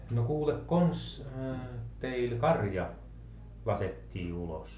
no kuule konsa teillä karja laskettiin ulos